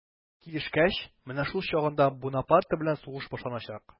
Килешкәч, менә шул чагында Бунапарте белән сугыш башланачак.